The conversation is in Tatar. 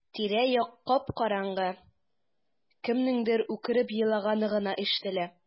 Тирә-як кап-караңгы, кемнеңдер үкереп елаганы гына ишетелә.